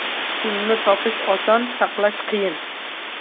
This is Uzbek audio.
pulni topish oson saqlash qiyin